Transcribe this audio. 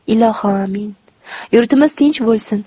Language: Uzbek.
ilohi omi in yurtimiz tinch bo'lsin